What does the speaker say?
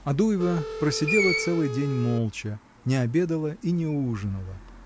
Адуева просидела целый день молча, не обедала и не ужинала.